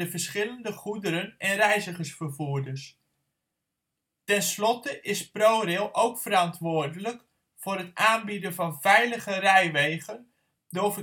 verschillende goederen - en reizigersvervoerders. Ten slotte is ProRail ook verantwoordelijk voor het aanbieden van veilige rijwegen door